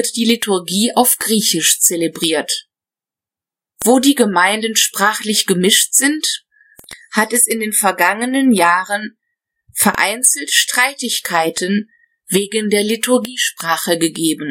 die Liturgie auf Griechisch zelebriert. Wo die Gemeinden sprachlich gemischt sind, hat es in den vergangenen Jahren vereinzelt Streitigkeiten wegen der Liturgiesprache gegeben